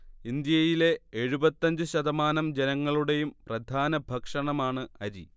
ഇന്ത്യയിലെ എഴുപത്തഞ്ച് ശതമാനം ജനങ്ങളുടേയും പ്രധാന ഭക്ഷണമാണ് അരി